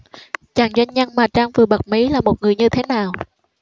chàng doanh nhân mà trang vừa bật mí là một người như thế nào